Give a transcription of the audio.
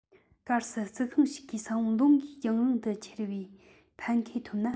གལ སྲིད རྩི ཤིང ཞིག གིས ས བོན རླུང གིས རྒྱང རིང དུ ཁྱེར བས ཕན ཁེ ཐོབ ན